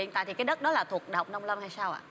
hiện tại thì cái đất đó là thuộc đại học nông lâm hay sao ạ